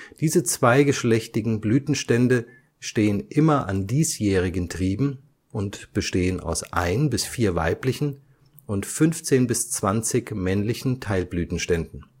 Diese zweigeschlechtigen Blütenstände stehen immer an diesjährigen Trieben und bestehen aus ein bis vier weiblichen und 15 bis 20 männlichen Teilblütenständen